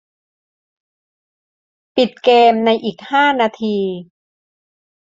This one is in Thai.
ปิดเกมส์ในอีกห้านาที